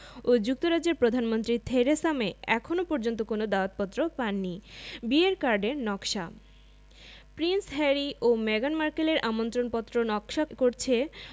ও যুক্তরাজ্যের প্রধানমন্ত্রী Theresa May এখন পর্যন্ত কোনো দাওয়াতপত্র পাননি বিয়ের কার্ডের নকশা প্রিন্স হ্যারি ও মেগান মার্কেলের আমন্ত্রণপত্র নকশা করছে